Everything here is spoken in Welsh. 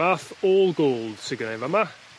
Math all gold sy gynnai yn fa' 'ma